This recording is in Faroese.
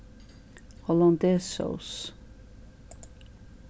hollandaisesós